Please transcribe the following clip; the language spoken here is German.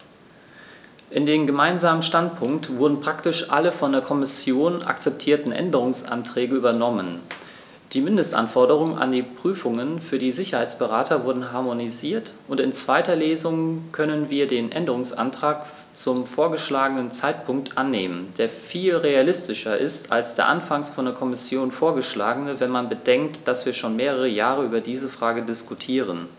In den gemeinsamen Standpunkt wurden praktisch alle von der Kommission akzeptierten Änderungsanträge übernommen, die Mindestanforderungen an die Prüfungen für die Sicherheitsberater wurden harmonisiert, und in zweiter Lesung können wir den Änderungsantrag zum vorgeschlagenen Zeitpunkt annehmen, der viel realistischer ist als der anfangs von der Kommission vorgeschlagene, wenn man bedenkt, dass wir schon mehrere Jahre über diese Frage diskutieren.